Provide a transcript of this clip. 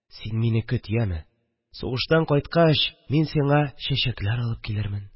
Син мине көт, яме, сугыштан кайткач мин сиңа чәчәкләр алып килермен